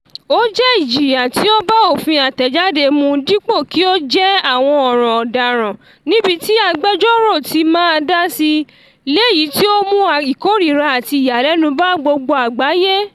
Ó jẹ́ ìjìyà tí ó bá òfin àtẹ̀jáde mu dipo kí ó jẹ́ àwọn ọ̀ràn ọ̀daràn níbití agbẹjọ́rò tí máa dási, lèyí tí ó mú ìkórìíra àti ìyàlẹ́nu bá gbogbo àgbáyé.